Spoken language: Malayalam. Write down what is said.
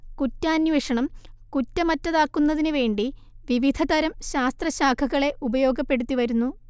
കുറ്റാന്വേഷണം കുറ്റമറ്റതാക്കുന്നതിന് വേണ്ടി വിവിധതരം ശാസ്ത്രശാഖകളെ ഉപയോഗപ്പെടുത്തിവരുന്നു